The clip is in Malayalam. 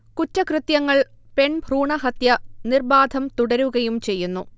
കുറ്റകൃത്യങ്ങൾ, പെൺഭ്രൂണഹത്യ നിർബാധം തുടരുകയും ചെയ്യുന്നു